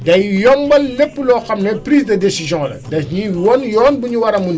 day yombal lépp loo xam ne prise de décision la daf ñuy wan yoon bi ñu war a mun